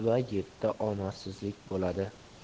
va yetti omadsizlik bo'ladi